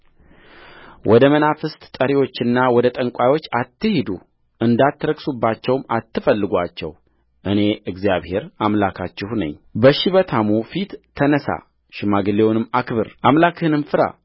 ወደ መናፍስት ጠሪዎችና ወደ ጠንቋዮች አትሂዱ እንዳትረክሱባቸውም አትፈልጉአቸው እኔ እግዚአብሔር አምላካችሁ ነኝበሽበታሙ ፊት ተነሣ ሽማግሌውንም አክብር አምላክህንም ፍራ